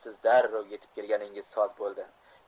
siz darrov yetib kelganingiz soz bo'ldi